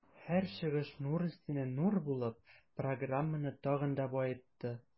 Һәр чыгыш нур өстенә нур булып, программаны тагын да баетты.